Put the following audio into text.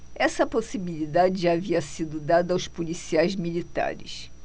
essa possibilidade já havia sido dada aos policiais militares